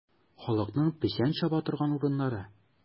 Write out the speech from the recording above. Халыкның печән чаба торган урыннары.